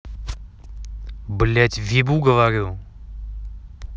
блядь вебу говорю